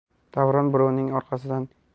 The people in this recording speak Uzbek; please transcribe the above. davron birovning orqasidan